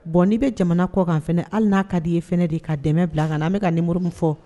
Bon n'i bɛ jamana kɔ kan fana hali n'a ka d di ye f de ye ka dɛmɛ bila kan n'an bɛka ka ni moriun fɔ